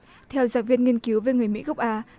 theo giáo viên nghiên cứu về người mỹ gốc á